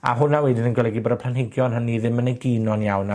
A hwnna wedyn yn golygu bod y planhigion hynny ddim yn egino'n iawn, a